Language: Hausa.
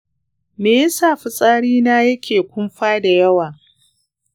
me yasa fitsari na yake kunfa da yawa?